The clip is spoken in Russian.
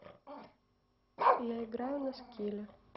я играю на скилле